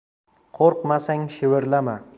qo'rqmasang shivirlama